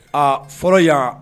A fɔlɔ yan